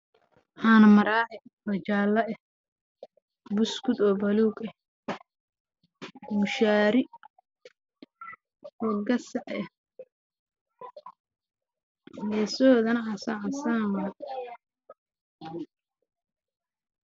Waa caano ku jiraan kartoon jaale ah